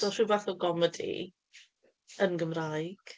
So rhyw fath o gomedi yn Gymraeg.